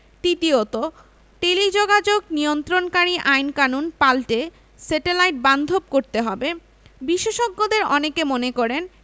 তৃতীয়ত টেলিযোগাযোগ নিয়ন্ত্রণকারী আইনকানুন পাল্টে স্যাটেলাইট বান্ধব করতে হবে বিশেষজ্ঞদের অনেকে মনে করেন